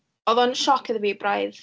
Oedd o'n sioc iddo fi braidd.